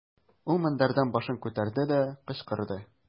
Ул мендәрдән башын күтәрде дә, кычкырды.